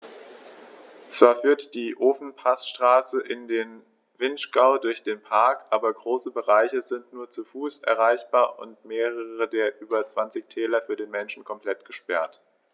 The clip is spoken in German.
Zwar führt die Ofenpassstraße in den Vinschgau durch den Park, aber große Bereiche sind nur zu Fuß erreichbar und mehrere der über 20 Täler für den Menschen komplett gesperrt.